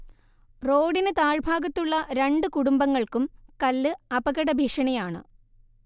റോഡിന് താഴ്ഭാഗത്തുള്ള രണ്ട് കുടുംബങ്ങൾക്കും കല്ല് അപകടഭീഷണിയാണ്